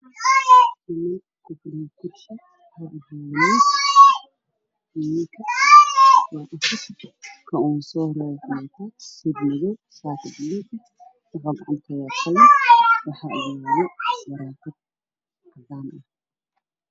Waxaa ii muuqda afar nin fadhiyaan meel ku fadhiyaan kuraas midafkeedu yahay qaxwi wataan shatiyaal cadaan ka iyo madow